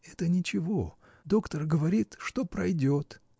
— Это ничего, доктор говорит, что пройдет.